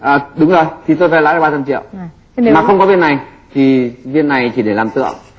à đúng rồi thì tôi phải lãi ba trăm triệu mà không có cái này thì viên này thì để làm tượng